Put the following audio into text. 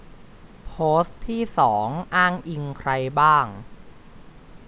โพสต์ที่สองอ้างอิงใครบ้าง